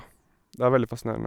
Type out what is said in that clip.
Det er veldig fascinerende.